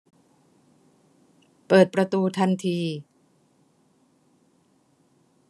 เปิดประตูทันที